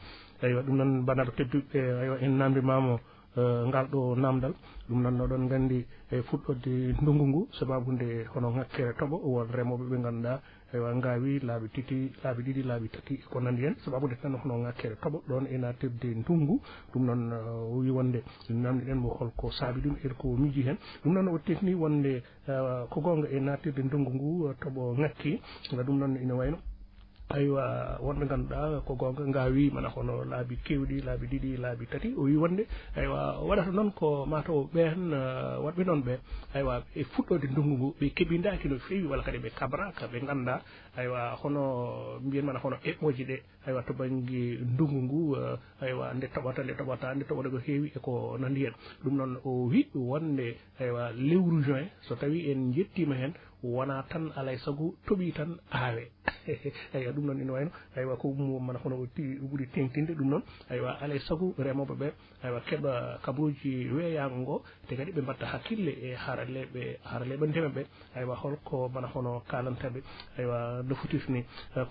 aywa